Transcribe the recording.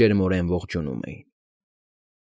Ջերմորեն ողջունում էին։